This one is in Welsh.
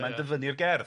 a mai'n dyfynnu'r gerdd.